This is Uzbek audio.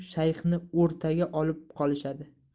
shayxni o'rtaga olib qolishadi